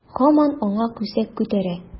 Һаман аңа күсәк күтәрә.